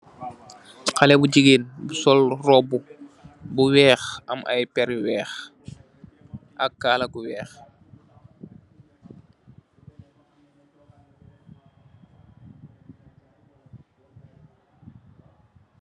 Haleh bu gigain bu sol robu bu waih am aii perr yu waih ak kaala bu waih.